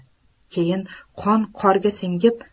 keyin qon qorga singib